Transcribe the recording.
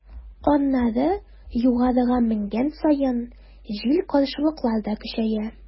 Аннары, югарыга менгән саен, җил-каршылыклар да көчәя.